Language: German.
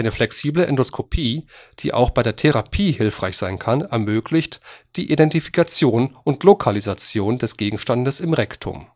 flexible Endoskopie, die auch bei der Therapie hilfreich sein kann, ermöglicht die Identifikation und Lokalisation des Gegenstandes im Rektum